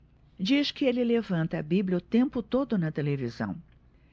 diz que ele levanta a bíblia o tempo todo na televisão